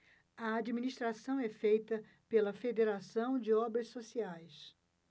a administração é feita pela fos federação de obras sociais